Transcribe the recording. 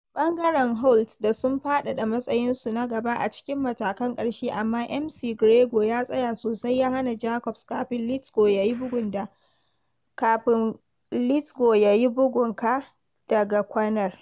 Ɓangaren Holt da sun faɗaɗa matsayinsu na gaba a cikin matakan ƙarshe amma McGregor ya tsaya sosai ya hana Jacobs kafin Lithgow ya yi bugun ka daga kwanar.